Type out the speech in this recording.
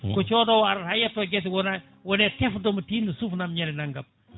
ko codowo arata ha yetto guese wona wone tefdema tinno suufanam ñande naggam